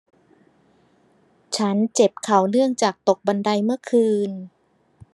ฉันเจ็บเข่าเนื่องจากตกบันไดเมื่อคืน